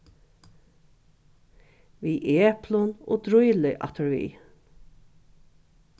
við eplum og drýli afturvið